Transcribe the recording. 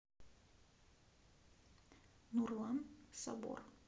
нурлан собор